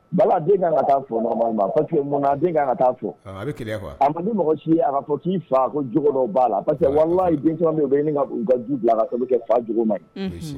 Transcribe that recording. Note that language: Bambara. Bala a den kan ka ka taa fo normalement parce que munna, a den kanka ka taa fɔ, anhun a be keleya quoi a mandi mɔgɔ si yee a ka fɔ k'i fa ko jogo dɔ b'a la parce que walaye den caman bɛ yen, o bɛ ɲini ka u ka du bla ka sabu kɛ fa jogo man ɲi unhun, o ye ci